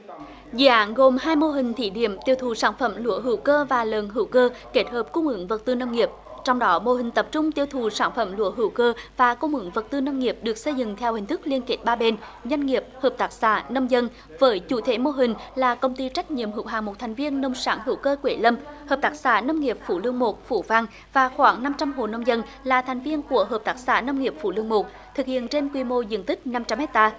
dự án gồm hai mô hình thí điểm tiêu thụ sản phẩm lúa hữu cơ và lợn hữu cơ kết hợp cung ứng vật tư nông nghiệp trong đó mô hình tập trung tiêu thụ sản phẩm lúa hữu cơ và cung ứng vật tư nông nghiệp được xây dựng theo hình thức liên kết ba bên doanh nghiệp hợp tác xã nông dân với chủ thể mô hình là công ty trách nhiệm hữu hạn một thành viên nông sản hữu cơ quế lâm hợp tác xã nông nghiệp phú lương một phú vang và khoảng năm trăm hộ nông dân là thành viên của hợp tác xã nông nghiệp phú lương một thực hiện trên quy mô diện tích năm trăm héc ta